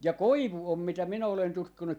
ja koivu on mitä minä olen tutkinut